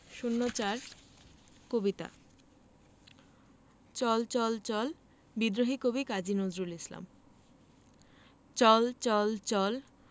০৪কবিতা চল চল চল বিদ্রোহী কবি কাজী নজরুল ইসলাম চল চল চল